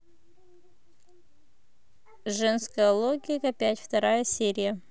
женская логика пять вторая серия